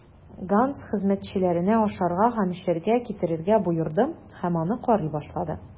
Ганс хезмәтчеләренә ашарга һәм эчәргә китерергә боерды һәм аны карый башлады.